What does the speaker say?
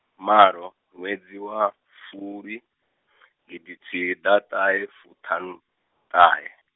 malo, ṅwedzi wa, fulwi , gidi nthi -ḓaṱahefuṱhanuṱahe.